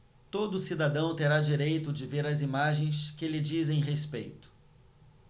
todo cidadão terá direito de ver as imagens que lhe dizem respeito